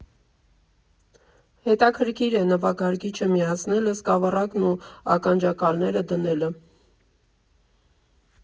Հետաքրիր է նվագարկիչը միացնելը, սկավառակն ու ականջակալները դնելը։